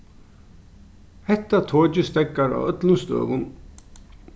hetta tokið steðgar á øllum støðum